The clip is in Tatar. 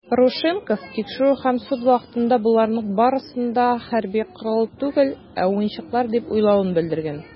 Парушенков тикшерү һәм суд вакытында, боларның барысын да хәрби корал түгел, ә уенчыклар дип уйлавын белдергән.